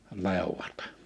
leuat